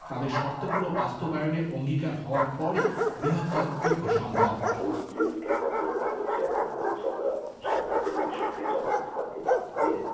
তাদের শর্তগুলো বাস্তবায়নের অঙ্গীকার হওয়ার পরই বৃহত্তর ঐক্য সম্ভব মূল যে দুটো পয়েন্টের কথা আমরা বলছি এক নম্বরে বলছি আমরা স্বাধীনতাবিরোধী শক্তি জামায়াত ইসলামকে বাদ দিয়ে